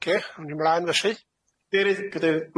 Oce awn i mlaen felly. Cadei- cadeirydd